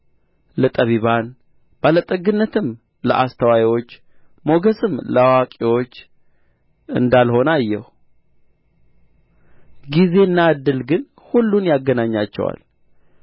ለጠቢባን ባለጠግነትም ለአስተዋዮች ሞገስም ለአዋቂዎች እንዳልሆነ አየሁ ጊዜና እድል ግን ሁሉን ይገናኛቸዋል